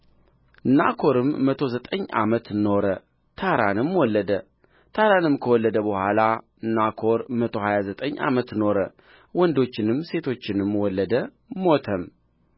ናኮርም መቶ ዘጠኝ ዓመት ኖረ ታራንም ወለደ ታራንም ከወለደ በኋላ ናኮር መቶ ሃያ ዘጠኝ ዓመት ኖረ ወንዶችንም ሴቶችንም ወለደ ሞተም